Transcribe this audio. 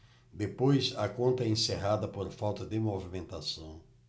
depois a conta é encerrada por falta de movimentação